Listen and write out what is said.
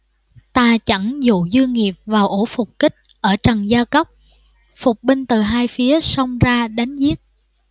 tà chẩn dụ dương nghiệp vào ổ phục kích ở trần gia cốc phục binh từ hai phía xông ra đánh giết